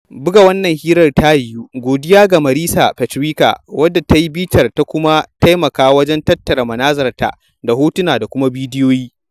Buga wannan hirar ta yiwu, godiya ga Marisa Petricca, wadda ta yi bitar ta kuma ta taimaka wajen tattara manazarta da hotuna da kuma bidiyoyi.